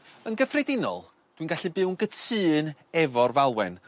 Yn gyffredinol dwi'n gallu byw'n gytun efo'r falwen